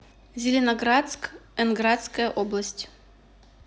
зеленоградск нградская область